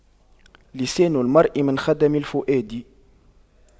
لسان المرء من خدم الفؤاد